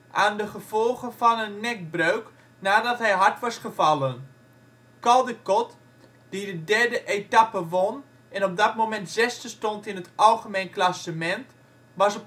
aan de gevolgen van een nekbreuk nadat hij hard was gevallen. Caldecott die de derde etappe won en op dat moment zesde stond in het algemeen klassement, was